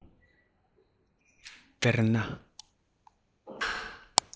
དཔེར ན